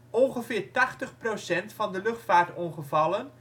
Ongeveer 80 procent van de luchtvaartongevallen